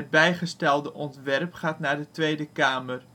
bijgestelde ontwerp gaat naar de Tweede Kamer